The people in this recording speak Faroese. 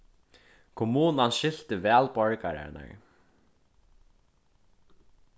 kommunan skilti væl borgararnar